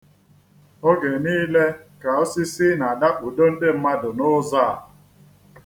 Oge niile ka osisi na-adakpudo ndị mmadụ n'ụzọ a.